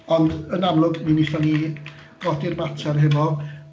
Ond yn amlwg mi wnaethon ni godi'r mater hefo...